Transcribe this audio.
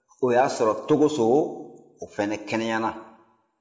o y'a sɔrɔ togoso o fana kɛnɛyara